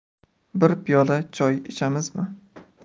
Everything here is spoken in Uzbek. bir piyola choy ichamizmi